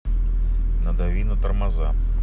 надави на тормоза